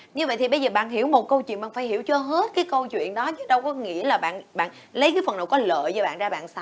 như vậy thì bây giờ bạn hiểu một câu chuyện bằng phải hiểu cho hết cái câu chuyện đó đâu có nghĩa là bạn bạn lấy cái phần nào có lợi cho bạn ra bạn xài